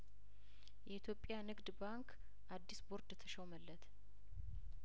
የኢትዮጵያ ንግድ ባንክ አዲስ ቦርድ ተሾመለት